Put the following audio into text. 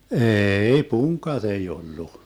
ei punkat ei ollut